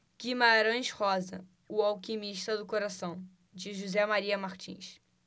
guimarães rosa o alquimista do coração de josé maria martins